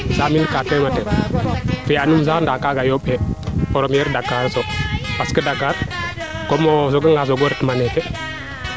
cent mille kaa kay motee fiya num sax ndaa kaaga yoomb kee premier dakares o parce que Dakar comme o sooga nga soogo retma neeke